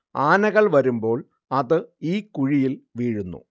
ആനകൾ വരുമ്പോൾ അത് ഈ കുഴിയിൽ വീഴുന്നു